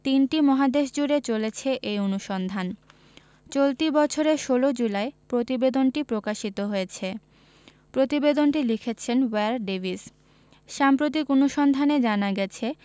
তিনটি মহাদেশজুড়ে চলেছে এই অনুসন্ধান চলতি বছরের ১৬ জুলাই প্রতিবেদনটি প্রকাশিত হয়েছে প্রতিবেদনটি লিখেছেন ওয়্যার ডেভিস সাম্প্রতিক অনুসন্ধানে জানা গেছে